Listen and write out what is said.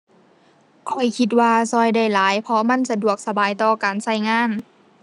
ข้อยคิดว่าช่วยได้หลาย เพราะมันสะดวกสบายต่อการช่วยงาน